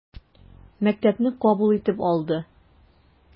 Мәктәпне кабул итеп алды.